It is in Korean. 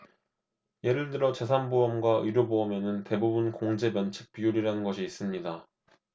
예를 들어 재산 보험과 의료 보험에는 대부분 공제 면책 비율이라는 것이 있습니다